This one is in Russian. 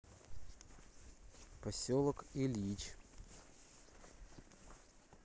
поселок ильич